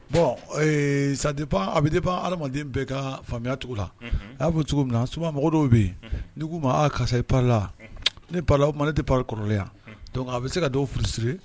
Bɔn sa a bɛ ban ha adama bɛ ka faamuyayacogo la a y'a fɔ cogo min na suman mago dɔw bɛ yen n' k'u karisa i pala ne o ne tɛ kɔrɔlen yan a bɛ se ka dɔw furusiri